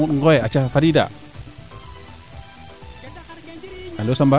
Mbelongutt Ngoye aca fadiida alo aSamba